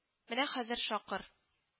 Менә хәзер шакыр